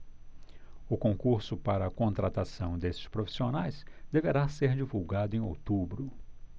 o concurso para contratação desses profissionais deverá ser divulgado em outubro